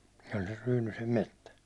se oli sen Ryynysen metsä